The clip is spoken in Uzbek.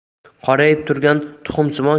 qorayib turgan tuxumsimon